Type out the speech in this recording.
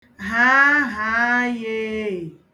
hàahàayee